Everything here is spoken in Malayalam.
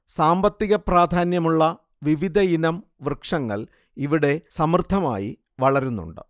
സാമ്പത്തിക പ്രാധാന്യമുള്ള വിവിധയിനം വൃക്ഷങ്ങൾ ഇവിടെ സമൃദ്ധമായി വളരുന്നുണ്ട്